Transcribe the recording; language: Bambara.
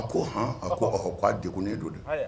A ko hɔn a ko ko a deko ne don de